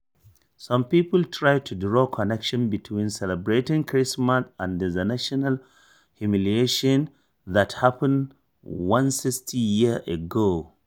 Some people try to draw connection between celebrating Christmas and the national humiliation that happened 160 years ago.